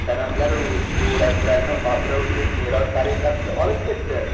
sanamlar u suvratlarni xotira uchun meros tariqasida olib ketsin